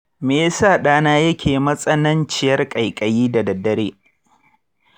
me yasa ɗana yake matsananciyar ƙaiƙayi da daddare?